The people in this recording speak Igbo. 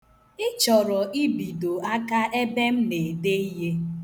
Ị chọrọ ịbido aka ebe m na-ede ihe.